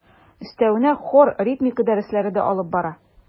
Өстәвенә хор, ритмика дәресләре дә алып бара.